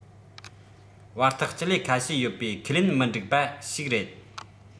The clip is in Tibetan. བར ཐག སྤྱི ལེ ཁ ཤས ཡོད པའི ཁས ལེན མི འགྲིག པ ཞིག རེད